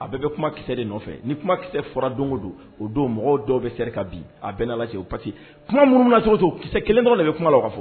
A bɛɛ bɛ kumakisɛsɛ de nɔfɛ ni kumakisɛ fɔra don o don o don mɔgɔw dɔw bɛ se ka bin a bɛɛ o parce kuma minnu na cogo cogo kisɛ kelen dɔ de bɛ kuma ka fɔ